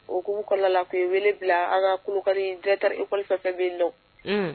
O kukalala la u ye wele bila an ka ikɔ fɛn bɛ dɔn